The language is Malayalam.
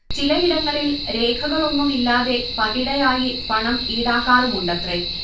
ചിലയിടങ്ങളിൽ രേഖകളൊന്നുമില്ലാതെ 'പകിട'യായി പണം ഈടാക്കാറുമുണ്ടത്രെ